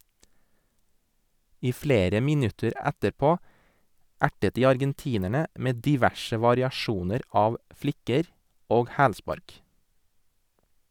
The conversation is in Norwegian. I flere minutter etterpå ertet de argentinerne med diverse variasjoner av flikker og hælspark.